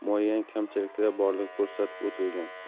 ham muayyan kamchiliklar borligi ko'rsatib o'tilgan